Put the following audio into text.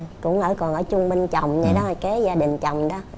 cũng ở còn ở chung bên chồng dậy đó rồi kế bên gia đình chồng đó